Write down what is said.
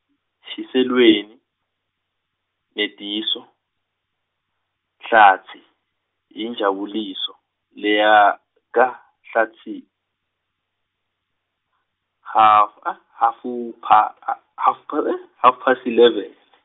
Shiselweni, Nediso, Hlatsi yiNjabuliso leya kaHlatsi, hhafa- hhafupha- a- hhafupha- , half past eleven.